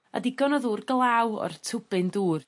A digon o ddŵr glaw o'r twbyn dŵr.